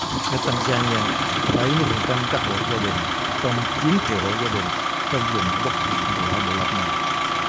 ở tăng da ni a bảy mươi phần trăm các hộ gia đình trong chín triệu hộ gia đình không dùng bất kỳ một loại bộ lọc nào